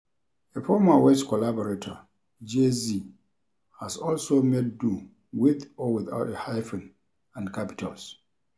A former West collaborator, JAY-Z, has also made do with or without a hyphen and capitals.